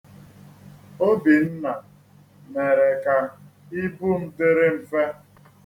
Obinna mere ka ibu m dịrị mfe.